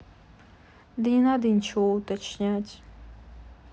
да не надо ничего уточнять